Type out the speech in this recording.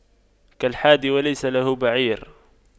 كالحادي وليس له بعير